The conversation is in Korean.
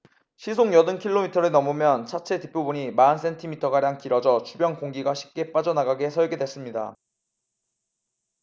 시속 여든 킬로미터를 넘으면 차체 뒷부분이 마흔 센티미터가량 길어져 주변 공기가 쉽게 빠져나가게 설계됐습니다